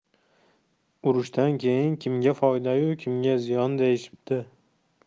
urushdan kimga foyda yu kimga ziyon deyishibdi